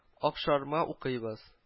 Ахшарма укыйбыз